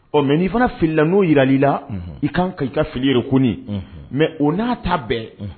Ɔ mɛ n'i fana filila n'o jirali la i kan ka i ka filikun mɛ o n'a ta bɛɛ